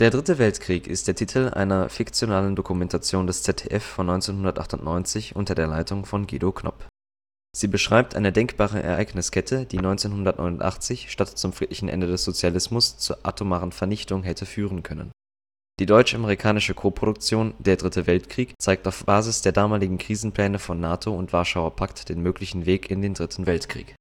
Dritte Weltkrieg ist der Titel einer fiktionalen Dokumentation des ZDF von 1998 unter der Leitung von Guido Knopp. Sie beschreibt eine denkbare Ereigniskette, die 1989 statt zum friedlichen Ende des Sozialismus zur atomaren Vernichtung hätte führen können. Die deutsch-amerikanische Koproduktion „ Der Dritte Weltkrieg “zeigt auf der Basis der damaligen Krisenpläne von NATO und Warschauer Pakt den möglichen Weg in einen dritten Weltkrieg